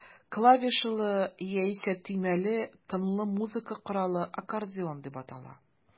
Клавишалы, яисә төймәле тынлы музыка коралы аккордеон дип атала.